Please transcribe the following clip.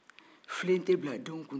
filen tɛ bila denw kun